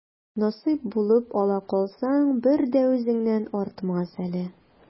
Насыйп булып ала калсаң, бер дә үзеңнән артмас әле.